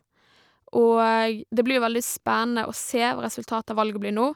Og det blir jo veldig spennende å se hva resultatet av valget blir nå.